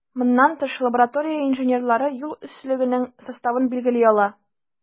Моннан тыш, лаборатория инженерлары юл өслегенең составын билгели ала.